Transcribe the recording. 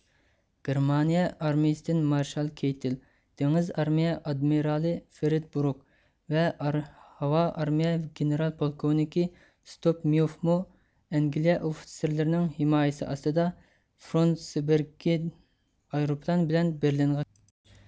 گېرمانىيە ئارمىيىسىدىن مارشال كېيتېل دېڭىز ئارمىيە ئادمېرالى فرېد بۇرگ ۋە ھاۋا ئارمىيە گېنېرال پولكوۋنىكى ستوپمپۇفمۇ ئەنگلىيە ئوفىتسېرلىرىنىڭ ھىمايىسى ئاستىدا فروسېنېبرگدىن ئايروپىلان بىلەن بېرلىنغا كەلدى